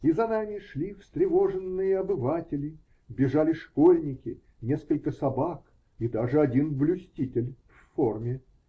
И за нами шли встревоженные обыватели, бежали школьники, несколько собак и даже один блюститель в форме.